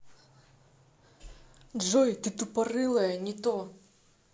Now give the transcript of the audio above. джой ты тупорылая не то